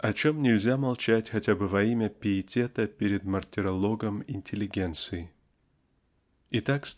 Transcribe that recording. о чем нельзя молчать хотя бы во имя пиетета перед мартирологом интеллигенции. Итак